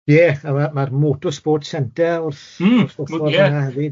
Ie, a ma ma'r Motor Sports Centre wrth wrth... Mm ie. ...wrth y ffordd yna hefyd.